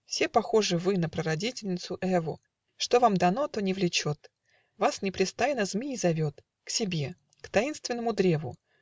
все похожи вы На прародительницу Эву: Что вам дано, то не влечет, Вас непрестанно змий зовет К себе, к таинственному древу